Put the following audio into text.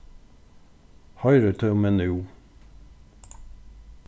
hoyrir tú meg nú